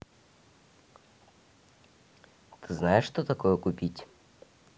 ты знаешь что такое купить